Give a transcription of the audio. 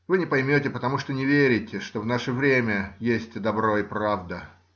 Вы не поймете, потому что не верите, что в наше время есть добро и правда.